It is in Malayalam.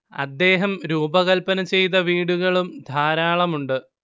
അദ്ദേഹം രൂപകല്പന ചെയ്ത വീടുകളും ധാരാളമുണ്ട്